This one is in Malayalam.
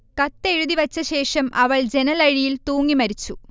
കത്തെഴുതി വച്ച ശേഷം അവൾ ജനലഴിയിൽ തൂങ്ങി മരിച്ചു